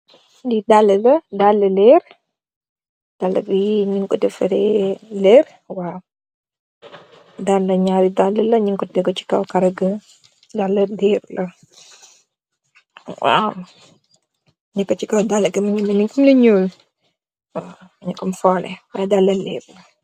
Li daala la daali leer daala bi nyun ko defareh leer waw daala yi naari daala la nyun ko teg si kaw karago daala leer la waw lu neka si kaw daala bi mogi melni lu nuul am foleh y daala leer la.